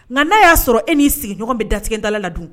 Nka n'a y'a sɔrɔ e n'i sigiɲɔgɔn bɛ dada la dun